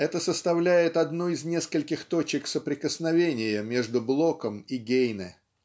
Это составляет одну из нескольких точек соприкосновения между Блоком и Гейне.